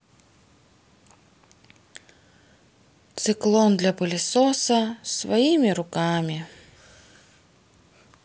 циклон для пылесоса своими руками